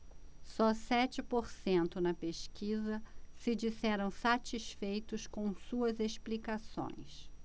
só sete por cento na pesquisa se disseram satisfeitos com suas explicações